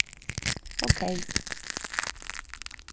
ókey